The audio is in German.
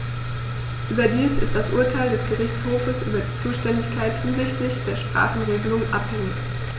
Überdies ist das Urteil des Gerichtshofes über die Zuständigkeit hinsichtlich der Sprachenregelung anhängig.